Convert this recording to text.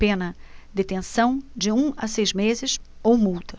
pena detenção de um a seis meses ou multa